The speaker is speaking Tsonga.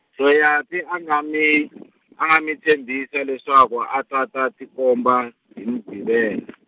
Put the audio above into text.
Soyaphi a nga mi- , a nga mi tshembisa leswaku a ta ta tikomba, hi Muqhivela.